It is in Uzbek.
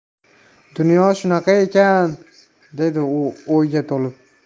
dunyo shunaqa ekan dedi u o'yga tolib